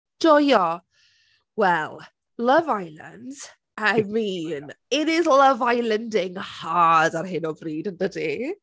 Joio. Wel. Love Island. I mean, it is love-islanding hard ar hyn o bryd, yn dydi?